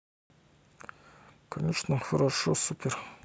конечно хорошо супер